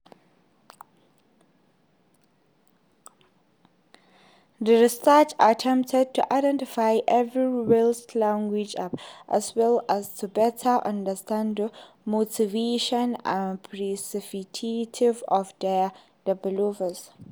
The research attempted to identify every Welsh language app, as well as to better understand the motivations and perspectives of their developers.